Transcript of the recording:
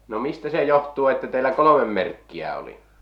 no mistä se johtuu että teillä kolme merkkiä oli